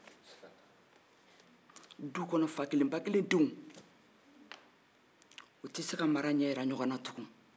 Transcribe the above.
fa kelen ba kelen denw te se ka mara ɲɛ jira ɲɔgɔn na tugun